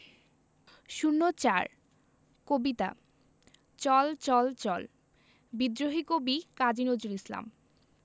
০৪ কবিতা চল চল চল বিদ্রোহী কবি কাজী নজরুল ইসলাম